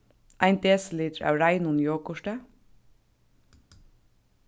ein desilitur av reinum jogurti